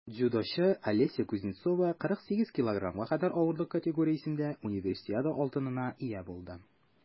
Дзюдочы Алеся Кузнецова 48 кг кадәр авырлык категориясендә Универсиада алтынына ия булды.